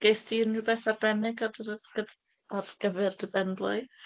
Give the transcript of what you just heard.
Gest ti unrhyw beth arbennig ar dy- dy- gyd- ar gyfer dy ben-blwydd?